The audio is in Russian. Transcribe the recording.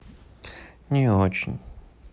не очень